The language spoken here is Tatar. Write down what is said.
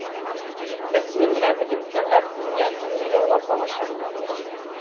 Без синең белән бөтен сәнгать дөньясын яулап алачакбыз.